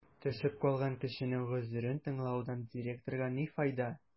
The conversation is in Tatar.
Төшеп калган кешенең гозерен тыңлаудан директорга ни файда?